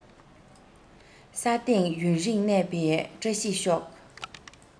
ས སྟེང ཡུན རིང གནས པའི བཀྲ ཤིས ཤོག